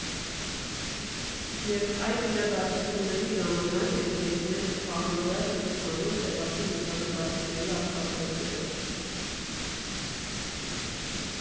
Եվ այդ իրադարձությունների ժամանակ է, երբ մեծ պահանջարկ են ստանում տեղացի լուսանկարիչների աշխատանքները։